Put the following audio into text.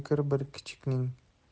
kir bir kichikning